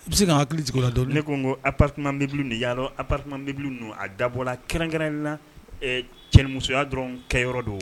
U bɛ se ka hakili jigin la dɔn ne ko n ko aprtima bbili de yala aprtimabbili ninnu a dabɔla kɛrɛnkɛrɛn in na cɛmusoya dɔrɔn kɛ yɔrɔ don